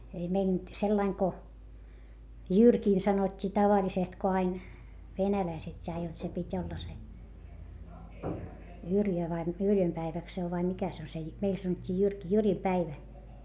ei meillä nyt sillä lailla kun Jyrkiin sanottiin tavallisesti kun aina venäläiset ja jotta se piti olla se Jyrjö vai - Yrjön päivä se on vai mikä se on se - meillä sanottiin Jyrki Jyrin päivä